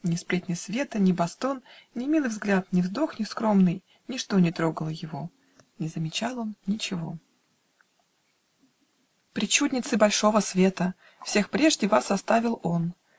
Ни сплетни света, ни бостон, Ни милый взгляд, ни вздох нескромный, Ничто не трогало его, Не замечал он ничего. ...................................................... Причудницы большого света! Всех прежде вас оставил он